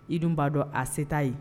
I dun b'a dɔn a seta yen